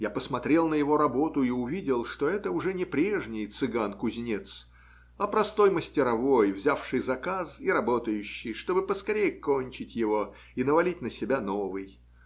Я посмотрел на его работу и увидел, что это уже не прежний цыган-кузнец, а простой мастеровой, взявший заказ и работающий, чтобы поскорее кончить его и навалить на себя новый.